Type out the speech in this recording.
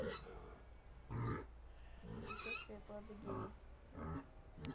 путешествие по адыгее